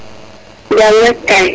jam rek kay